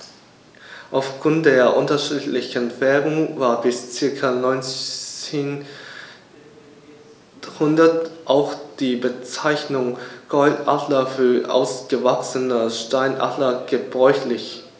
Auf Grund der unterschiedlichen Färbung war bis ca. 1900 auch die Bezeichnung Goldadler für ausgewachsene Steinadler gebräuchlich.